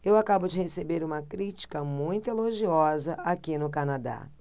eu acabo de receber uma crítica muito elogiosa aqui no canadá